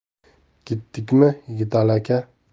ketdikmi yigitali aka